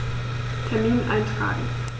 Termin eintragen